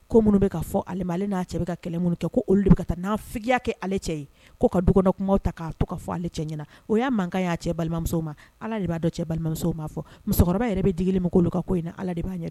Ko minnu bɛ ka fɔ ale alea cɛ ka kɛlɛ minnu kɛ' olu bɛ taa n' fya kɛ ale cɛ ye ko ka duda kuma ta k'a to ka fɔ ale cɛ ɲɛna o y'a mankan kan y'a cɛ balimamuso ma ala de b'a dɔn cɛ balimamuso ma fɔ musokɔrɔbakɔrɔba yɛrɛ bɛ dli min k'olu kan ko in ala b'a